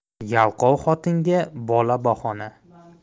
yalqov xotinga bola bahona